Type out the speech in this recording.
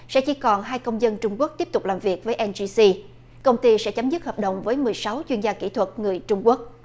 sẽ chỉ còn hai công dân trung quốc tiếp tục làm việc với en di xi công ty sẽ chấm dứt hợp đồng với mười sáu chuyên gia kỹ thuật người trung quốc